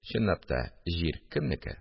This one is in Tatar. – чынлап та, җир кемнеке